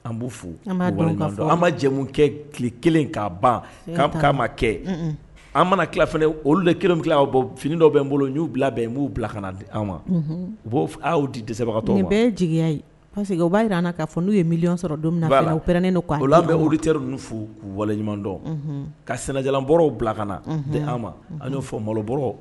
An b'u fo an mamu kɛ tile kelen k' ban k'' ma kɛ an mana kifana olu de kelen aw bɔ fini dɔ bɛ n bolo n'u bila bɛn b'u bila ka na di an ma u b'o'o di dɛsɛsebagatɔ bɛɛ jeliya ye paseke u b'a jira n k'a fɔ n'u ye mily sɔrɔ don awɛrɛnnen bɛ olu terir ninnu fo k'u waleɲumandɔn ka sɛnɛjalanbɔw bila kana na di ma an'o fɔ malo bɔ